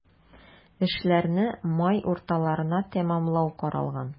Эшләрне май урталарына тәмамлау каралган.